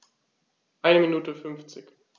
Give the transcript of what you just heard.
Eine Minute 50